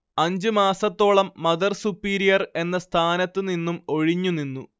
അഞ്ച് മാസത്തോളം mother superior എന്ന സ്ഥാനത്തു നിന്നും ഒഴിഞ്ഞു നിന്നു